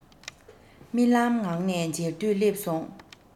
རྨི ལམ ངང ནས མཇལ དུས སླེབས སོང